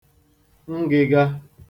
ngị̄gā